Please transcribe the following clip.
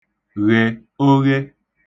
ghè oghe